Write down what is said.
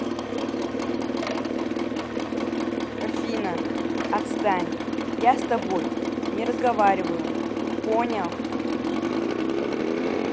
афина отстань я с тобой не разговариваю понял